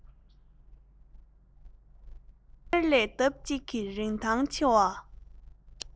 གསེར ལས ལྡབ གཅིག གིས རིན ཐང ཆེ བར